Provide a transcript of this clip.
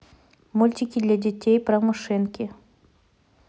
мультики для детей про машинки